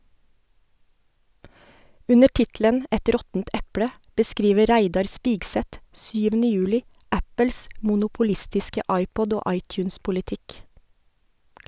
Under tittelen "Et råttent eple" beskriver Reidar Spigseth 7. juli Apples monopolistiske iPod- og iTunes-politikk.